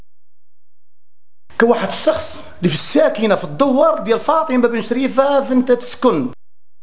شخص هنا في الدور فاطمه بنت شريفه في السكن